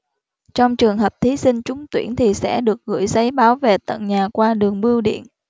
trong trường hợp thí sinh trúng tuyển thì sẽ được gửi giấy báo về tận nhà qua đường bưu điện